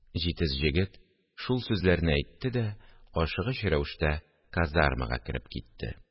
Җитез җегет шул сүзләрне әйтте дә ашыгыч рәвештә казармага кереп китте